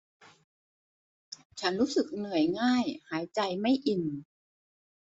ฉันรู้สึกเหนื่อยง่ายหายใจไม่อิ่ม